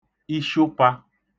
ishụpā